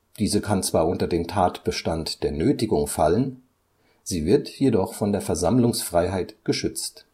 Diese kann zwar unter den Tatbestand der Nötigung fallen, sie wird jedoch von der Versammlungsfreiheit geschützt